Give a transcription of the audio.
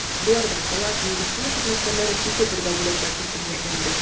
Болардан кала медицина хезмәтләрен ике төргә бүләргә кертү ниятләнде.